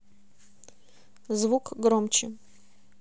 звук громче